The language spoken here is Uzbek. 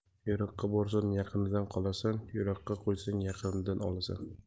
yiroqqa borsang yaqindan qolasan yiroqqa qo'ysang yaqindan olasan